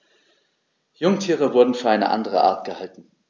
Jungtiere wurden für eine andere Art gehalten.